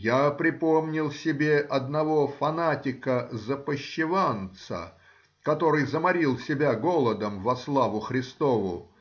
Я припомнил себе одного фанатика-запощеванца, который заморил себя голодом во славу Христову